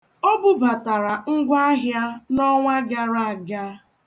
O bubatara ngwaahịa n'ọnwa gara aga.